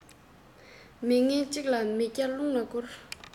མི ངན གཅིག གིས མི བརྒྱ རླུང ལ བསྐུར